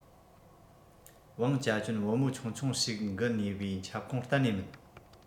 བང ཅ ཅོན བུ མོ ཆུང ཆུང ཞིག གི ནུས པའི ཁྱབ ཁོངས གཏན ནས མིན